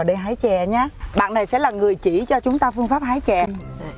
đi hái chè nha bảng này sẽ là người chỉ cho chúng ta phương pháp hái chè